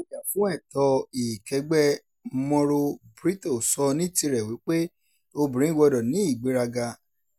Àjàfúnẹ̀tọ́ ìkẹ́gbẹ́ Mauro Brito sọ ní tirẹ̀ wípé obìrin gbọ́dọ̀ ní ìgbéraga